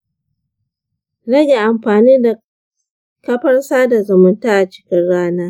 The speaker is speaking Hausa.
rage amfani da kafar sada zumunta a cikin rana.